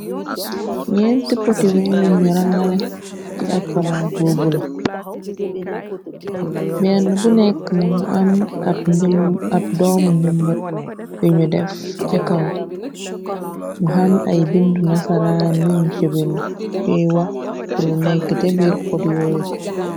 Ñénti t poti wen yuñu rangale ci ab palat bu bula benna bu nèkka mo nga am ab doomu njëmbat yuñu def ca kaw mu am ay bindu nasaran yun ca bindi yuy wax ci lu nekka ja biir pot yóoyu.